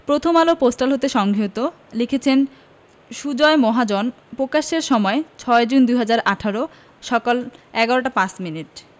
Prothom Alo postal হতে সংগৃহীত লিখেছেন সুজয় মহাজন পকাশের সময় ৬জুন ২০১৮ সকাল ১১টা ৫ মিনিট